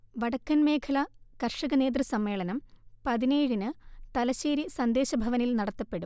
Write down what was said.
വടക്കൻ മേഖല കർഷക നേതൃസമ്മേളനം പതിനേഴിന് തലശ്ശേരി സന്ദേശഭവനിൽ നടത്തപ്പെടും